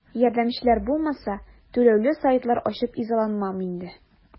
Ярдәмчеләр булмаса, түләүле сайтлар ачып изаланмам инде.